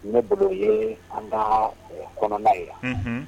Mɛbolo ye an ka kɔnɔnada ye la